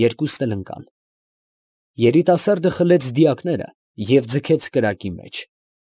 Երկուսն էլ ընկան։ Երիտասարդը խլեց դիակները և ձգեց կրակի մեջ։